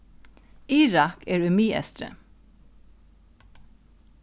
irak er í miðeystri